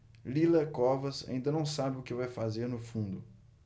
lila covas ainda não sabe o que vai fazer no fundo